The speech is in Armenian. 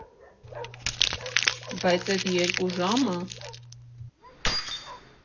Բայց էդ երկու ժամը…